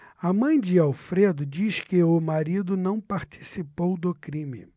a mãe de alfredo diz que o marido não participou do crime